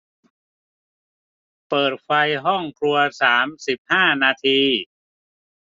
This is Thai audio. เปิดไฟห้องครัวสามสิบห้านาที